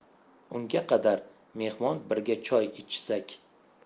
unga qadar mehmon birga choy ichsak